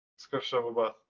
Sgwrsio am rwbath.